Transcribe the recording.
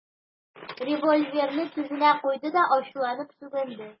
Павел револьверны тезенә куйды һәм ачуланып сүгенде .